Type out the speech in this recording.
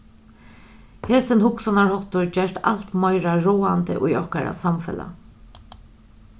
hesin hugsanarháttur gerst alt meira ráðandi í okkara samfelag